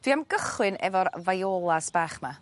Dwi am gychwyn efo'r Violas bach 'ma.